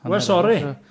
Wel, sori!